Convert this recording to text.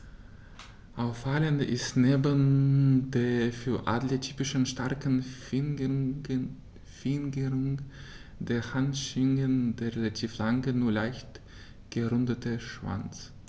Auffallend ist neben der für Adler typischen starken Fingerung der Handschwingen der relativ lange, nur leicht gerundete Schwanz.